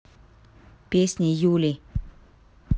песни юли